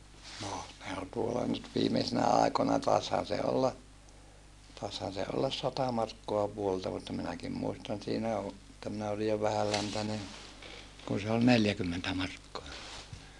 no ne oli tuolla nyt viimeisinä aikoina taisihan se olla taisihan se olla sata markkaa vuodelta mutta minäkin muistan siinä - että minä olin jo vähänläntäinen kun se oli neljäkymmentä markkaa